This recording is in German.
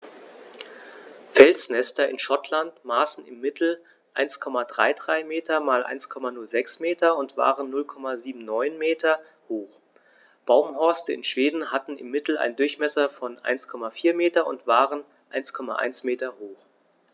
Felsnester in Schottland maßen im Mittel 1,33 m x 1,06 m und waren 0,79 m hoch, Baumhorste in Schweden hatten im Mittel einen Durchmesser von 1,4 m und waren 1,1 m hoch.